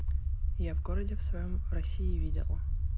я в городе в своем в россии видел